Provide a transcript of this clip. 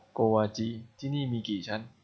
โกวาจีที่นี่มีกี่ชั้น